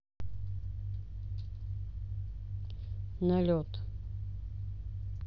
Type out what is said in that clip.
на лед